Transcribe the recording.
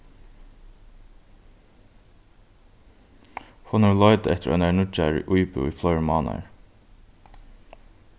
hon hevur leitað eftir einari nýggjari íbúð í fleiri mánaðar